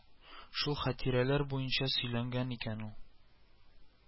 Шул хатирәләр буенча сөйләгән икән ул